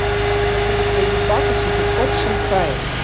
когда будет леди баг и супер кот в шанхае